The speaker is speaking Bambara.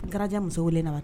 N kɛra muso na